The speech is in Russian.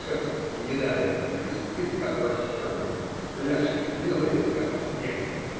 Шерсть гнедая, блестит, как лощеная; ляжки белые, как снег.